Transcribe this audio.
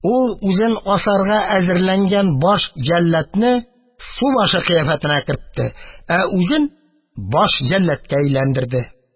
Ул үзен асарга әзерләнгән баш җәлладны субашы кыяфәтенә кертте, үзен баш җәлладка әйләндерде.